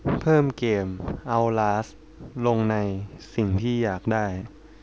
เพิ่มเกมเอ้าลาสลงในสิ่งที่อยากได้